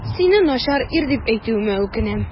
Сине начар ир дип әйтүемә үкенәм.